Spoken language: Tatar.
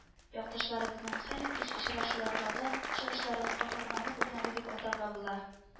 Якташларыбызның хәлиткеч очрашулардагы чыгышларын каһарманлык үрнәге дип атарга була